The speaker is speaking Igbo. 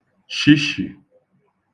shishì